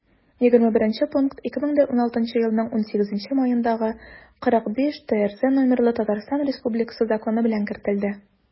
21 пункт 2016 елның 18 маендагы 45-трз номерлы татарстан республикасы законы белән кертелде